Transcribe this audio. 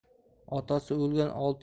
otasi o'lgan olti kun